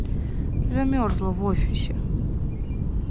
замерзла в офисе